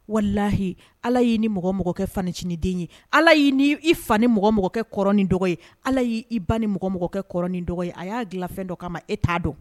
Walahi ala y'i ni mɔgɔ mɔgɔkɛ faincinin den ye ala y'i i fa ni mɔgɔ mɔgɔkɛ kɔrɔnin dɔgɔ ye ala y'i i ban ni mɔgɔ mɔgɔkɛɔrɔnin dɔgɔ ye a y'a dilanfɛn dɔ k'a ma e t'a dɔn